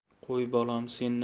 qo'y bolam sen